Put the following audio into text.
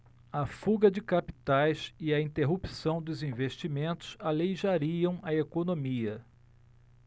a fuga de capitais e a interrupção dos investimentos aleijariam a economia